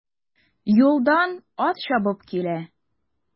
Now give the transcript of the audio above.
Юлдан ат чабып килә.